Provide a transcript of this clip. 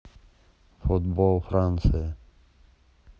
футбол франции